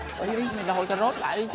ê đòi cà rốt lại đi chứ